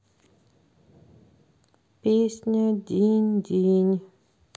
песня динь динь